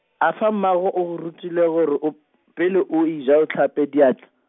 afa mmago o go rutile gore o p-, pele o eja o hlape diatla?